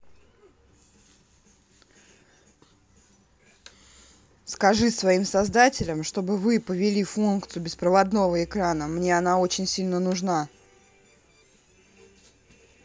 скажи своим создателям чтобы вы повели функцию беспроводного экрана мне она очень сильно нужна